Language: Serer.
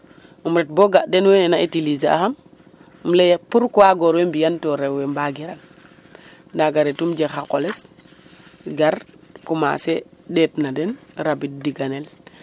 Um ret bo ga' den wene na utiliser axam um lay ee pourquoi goor we mbi'an to rew we mbagiran naga retum janga xa qoles gar commencer ɗeetna den rabid diganel.